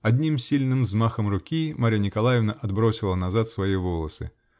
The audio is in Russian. Одним сильным взмахом руки Марья Николаевна отбросила назад свои волосы.